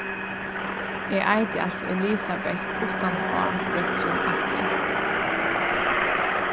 eg eiti altso elisabet uttan h rópti hon altíð